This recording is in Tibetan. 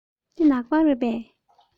འདི ནག པང རེད པས